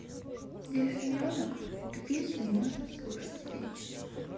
дельфиненок эту песню можно слушать вечно